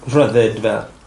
Rhyddid fel.